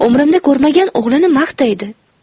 umrimda ko'rmagan o'g'lini maqtaydi